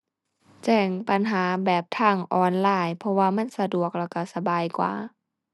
แจ้งปัญหาแบบทางออนไลน์ เพราะว่ามันสะดวกแล้วก็สบายกว่า